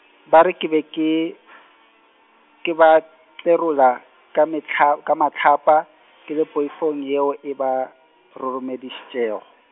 ba re ke be ke , ke ba tlerola, ka mehla ka mahlapa, ke le poifong yeo e ba, roromedišitšego.